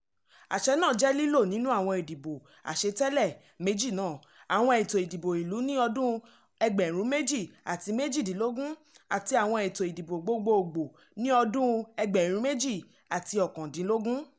Àṣẹ náà jẹ́ lílò nínú àwọn ìdìbò àṣetẹ̀lé méjì náà — àwọn ètò ìdìbò ìlú ní ọdún 2018 àti àwọn ètò ìdìbò gbogboogbò ní ọdún 2019.